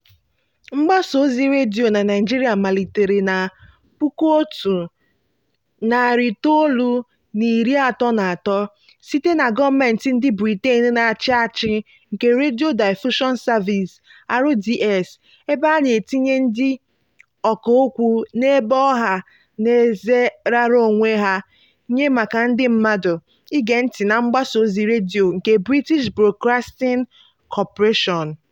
Mgbasa ozi redio na Naịjirịa malitere na 1933 site na gọọmentị ndị Britain na-achị achị nke Radio Diffusion Service (RDS), ebe a na-etinye ndị ọkà okwu na ebe ọha na eze raara onwe ha nye maka ndị mmadụ ige ntị na mgbasa ozi redio nke British Broadcasting Corporation.